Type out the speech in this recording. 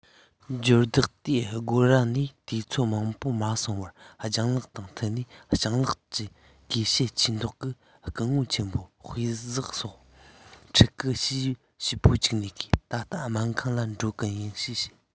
འབྱོར བདག དེའི སྒོ ར ནས དུས ཚོད མང པོ མ སོང བར ལྗད ལགས དང ཐུག ནས སྤྱང ལགས ཀྱིས གུས ཞབས ཆེ མདོག གིས སྐུ ངོ ཆེན མོ དཔེ བསགས སོང ཕྲུ གུ ཞེ པོ ཅིག ན གིས ད ལྟ སྨན ཁང ལ འགྲོ གི ཡིན ཞེས བཤད